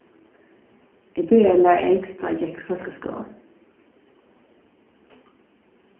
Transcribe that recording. eg byrjaði at læra enskt tá eg gekk í fólkaskúla